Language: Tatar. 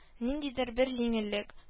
Ниндидер бер җиңеллек